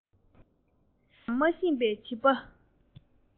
ཡི གེ ཀ ཙམ ཡང མི ཤེས པའི བྱིས པ